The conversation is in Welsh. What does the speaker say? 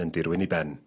...yn dirwyn i ben.